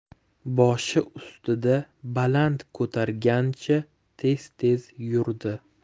boshi ustida baland ko'targancha tez tez yurdi